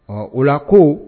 Ɔ o la ko